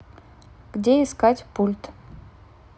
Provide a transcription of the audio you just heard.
где искать пульт